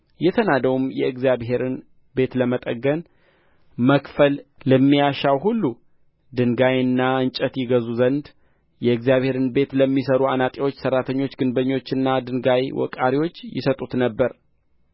የተናደውን የእግዚአብሔርን ቤት ለመጠገን መክፈል ለሚያሻው ሁሉ ድንጋይና እንጨት ይገዙ ዘንድ የእግዚአብሔርን ቤት ለሚሠሩ አናጢዎችና ሠራተኞች ግንበኞችና ድንጋይ ወቃሪዎች ይሰጡት ነበር